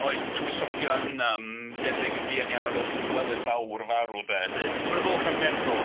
Oes tywysogion yym debyg yn fuan iawn ar ôl Llywelyn fawr farw de 'lly. So mae 'na fwlch anferthol.